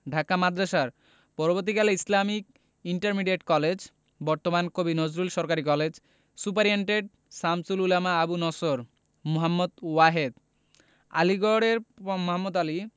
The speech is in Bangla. ঢাকা মাদ্রাসার পরবর্তীকালে ইসলামিক ইন্টারমিডিয়েট কলেজ বর্তমান কবি নজরুল সরকারি কলেজ সুপারিন্টেন্ডেন্ট শামসুল উলামা আবু নসর মুহম্মদ ওয়াহেদ আলীগড়ের মোহাম্মদ আলী